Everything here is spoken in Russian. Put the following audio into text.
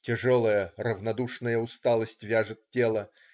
Тяжелая, равнодушная усталость вяжет тело.